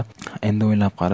endi o'ylab qarasa